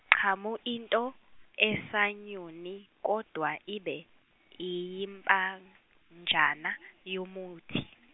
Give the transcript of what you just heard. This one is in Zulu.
qhamu into esanyoni kodwa ibe iyimpanjana yomuthi.